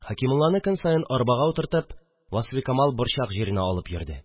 Хәкимулланы көн саен арбага утыртып Васфикамал борчак җиренә алып йөрде